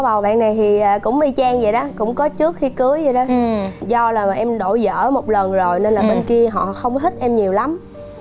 bầu bạn này thì cũng y chang vậy đó cũng có trước khi cưới vậy đó do là em đổi dở một lần rồi nên là bên kia họ không thích em nhiều lắm